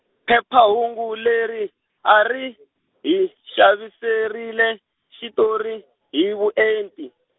phephahungu leri, a ri , hi xaviserile xitori, hi vuenti.